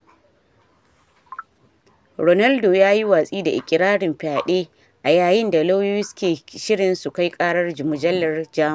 Ronaldo yayi watsi da ikirarin fyaɗe a yayin da lauyoyi suke shirin su kai ƙarar mujallar Jamus.